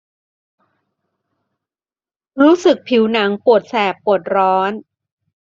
รู้สึกผิวหนังปวดแสบปวดร้อน